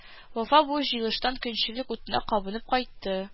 Вафа бу җыелыштан көнчелек утына кабынып кайтты